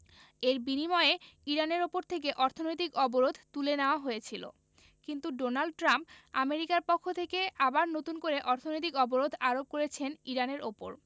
এর বিনিময়ে ইরানের ওপর থেকে অর্থনৈতিক অবরোধ তুলে নেওয়া হয়েছিল কিন্তু ডোনাল্ড ট্রাম্প আমেরিকার পক্ষ থেকে আবার নতুন করে অর্থনৈতিক অবরোধ আরোপ করেছেন ইরানের ওপর